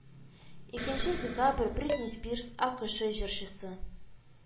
Икенче декабрь бритни спирс, акэшэ җырчысы